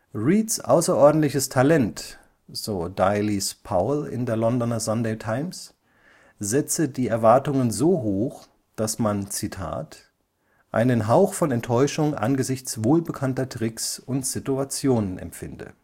Reeds außerordentliches Talent “, so Dilys Powell in der Londoner Sunday Times, setze die Erwartungen so hoch, dass man „ einen Hauch von Enttäuschung angesichts wohlbekannter Tricks und Situationen “empfinde